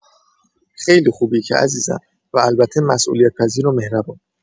خیلی خوبی که عزیزم و البته مسئولیت‌پذیر و مهربون